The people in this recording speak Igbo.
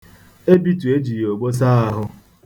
Ebitu ejighị ogbo saa ahụ.